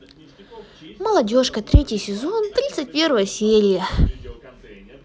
молодежка третий сезон тридцать первая серия